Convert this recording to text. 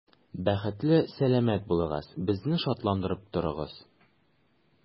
Бәхетле, сәламәт булыгыз, безне шатландырып торыгыз.